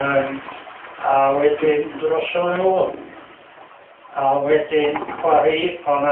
Yym a wedyn drosodd a n'w a wedyn o'dd 'na